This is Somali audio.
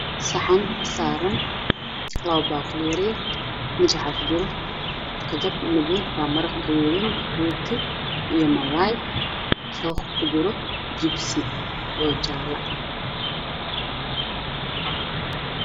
Saxan saaran baaquli yar kajab maraq guduudan iyo rooti